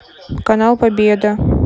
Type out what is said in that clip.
канал победа